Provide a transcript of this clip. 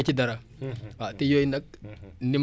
ndimbal la boo xamnte ne information yi da leen koy jox